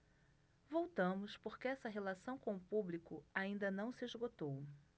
voltamos porque essa relação com o público ainda não se esgotou